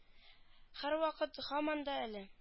Һәрвакыт һаман да әле